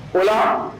O